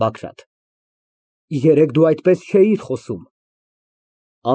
ԲԱԳՐԱՏ ֊ Երեկ դու այդպես չէիր խոսում։